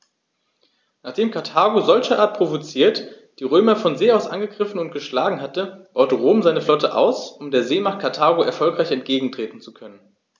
Nachdem Karthago, solcherart provoziert, die Römer von See aus angegriffen und geschlagen hatte, baute Rom seine Flotte aus, um der Seemacht Karthago erfolgreich entgegentreten zu können.